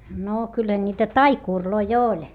no kyllä niitä taikureita oli